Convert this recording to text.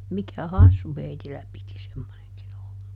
mikä hassu heillä piti semmoinenkin olla